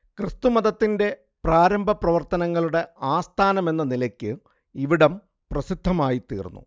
ക്രിസ്തുമതത്തിന്റെ പ്രാരംഭപ്രവർത്തനങ്ങളുടെ ആസ്ഥാനമെന്ന നിലയ്ക്ക് ഇവിടം പ്രസിദ്ധമായിത്തീർന്നു